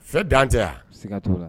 Fɛn dan tɛ yan